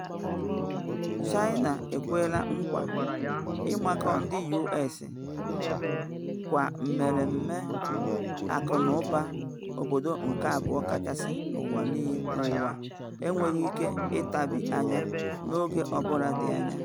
China ekweela nkwa ịmakọ ndị US kwa mmereme, akụnụba obodo nke abụọ kachasị n’ụwa enweghị ike ịtabi anya n’oge ọ bụla dị anya.